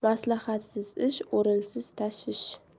maslahatsiz ish o'rinsiz tashvish